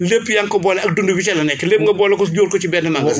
lépp yaa ngi ko boole ak dund gi ca la nekk lépp nga boole ko jóor ko ci benn magasin